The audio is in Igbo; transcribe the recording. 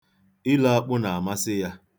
Ilo akpụ na-amasị ya.